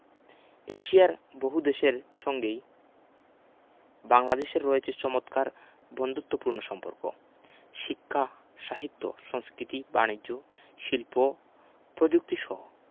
এশিয়ার বহুদেশের সঙ্গেই বাংলাদেশের রয়েছে চমৎকার বন্ধুত্বপূর্ণ সম্পর্ক শিক্ষা সাহিত্য সংস্কৃতি বানিজ্য শিল্প পযুক্তিসহ